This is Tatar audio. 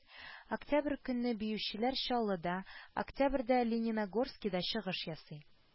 Октябрь көнне биючеләр чаллыда, октябрьдә лениногорскида чыгыш ясый